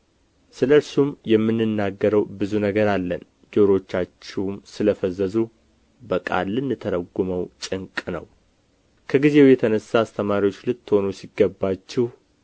ስለ እርሱም የምንናገረው ብዙ ነገር አለን ጆሮቻችሁም ስለ ፈዘዙ በቃል ልንተረጕመው ጭንቅ ነው ከጊዜው የተነሳ አስተማሪዎች ልትሆኑ ሲገባችሁ